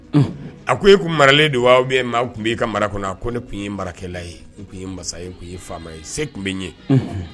Unh a ko e kun maralen don waa ou bien maa kun b'i ka mara kɔnɔ a ko ne kun ye marakɛla ye n kun ye masa ye n kun ye faama ye se kun be ɲe unhun